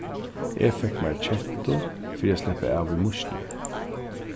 eg fekk mær kettu fyri at sleppa av við mýsnar